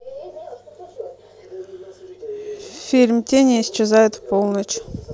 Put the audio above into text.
фильм тени исчезают в полночь